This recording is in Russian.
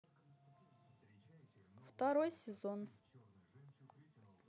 второй сезон